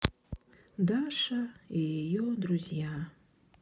даша и ее друзья